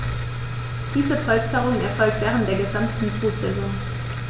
Diese Polsterung erfolgt während der gesamten Brutsaison.